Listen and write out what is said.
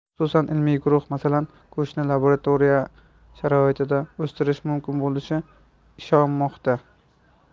xususan ilmiy guruh masalan go'shtni laboratoriya sharoitida o'stirish mumkin bo'lishiga ishonmoqda